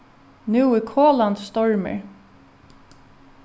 nú er kolandi stormur